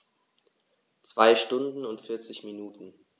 2 Stunden und 40 Minuten